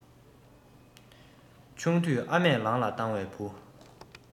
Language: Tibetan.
ཆུང དུས ཨ མས ལང ལ བཏང བའི བུ